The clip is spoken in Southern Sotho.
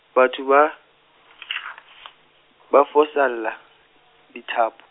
batho ba , ba fasolla, dithapo.